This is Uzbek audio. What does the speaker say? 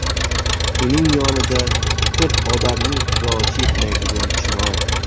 uning yonida to'rt odamning qulochi yetmaydigan chinor